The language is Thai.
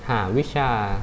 หาวิชา